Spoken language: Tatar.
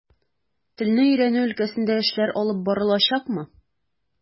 Телне өйрәнү өлкәсендә эшләр алып барылачакмы?